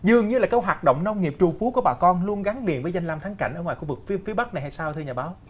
dường như câu hoạt động nông nghiệp trù phú của bà con luôn gắn liền với danh lam thắng cảnh ở ngoài khu vực phía phía bắc này hay sao thưa nhà báo